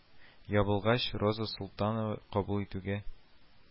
Ябылгач, роза солтанова кабул итүгә